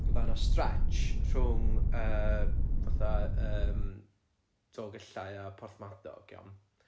ma' 'na stretch rhwng yy fatha yym Dogellau a Porthmadog iawn